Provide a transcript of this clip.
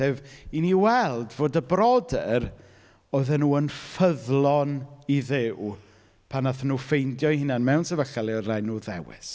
Sef, i ni weld fod y brodyr, oedden nhw yn ffyddlon i Dduw, pan nathon nhw ffeindio'u hunain mewn sefyllfa le oedd raid i nhw ddewis.